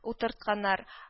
Утыртканнар